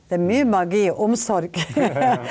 det er mye magi i omsorg .